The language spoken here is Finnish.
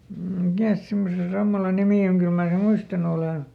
mikäs semmoisen sammalan nimi on kyllä minä sen muistanut olen